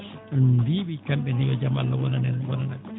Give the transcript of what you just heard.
en mbiyii ɓe kamɓe ne yo jam Allah wonan en wonana ɓe